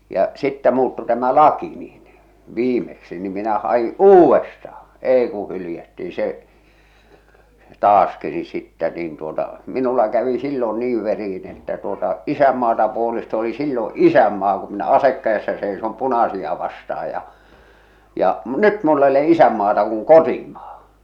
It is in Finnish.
ja sitten muuttui tämä laki niin viimeksi niin minä hain uudestaan ei kuin hylättiin se taaskin niin sitten niin tuota minulla kävi silloin niin veriin että tuota isänmaata puolesta oli silloin isänmaan kun minä ase kädessä seison punaisia vastaan ja ja - nyt minulla ei ole isänmaata kun kotimaa